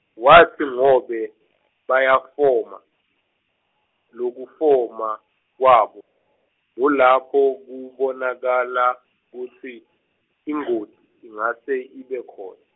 watsi ngobe , bayafoma, lokufoma, kwabo, ngulapho, kubonakala, kutsi, ingoti, ingase ibe khona.